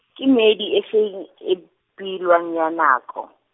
ke meedi efe, e beilweng ya nako?